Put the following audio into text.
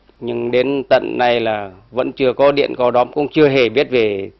nhưng đến tận nay là vẫn chưa có điện có đóm cũng chưa hề biết về